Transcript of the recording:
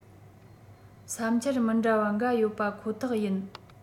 བསམ འཆར མི འདྲ བ འགའ ཡོད པ ཁོ ཐག ཡིན